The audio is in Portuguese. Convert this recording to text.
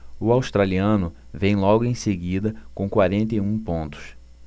o australiano vem logo em seguida com quarenta e um pontos